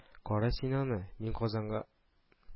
— кара син аны. мин казанга